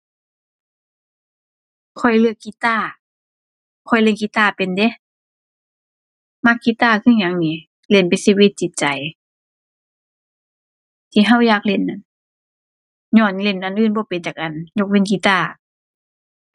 ข้อยเลือกกีตาร์ ข้อยเล่นกีตาร์เป็นเดะ มักกีตาร์คือหยังหนิ เล่นเป็นชีวิตจิตใจ ที่เราอยากเล่นนั่น ญ้อนเล่นอันอื่นบ่เป็นจักอันยกเว้นกีตาร์